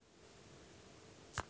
добавь пятьсот круассан